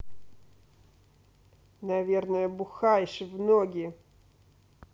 наверное бухаешь в ноги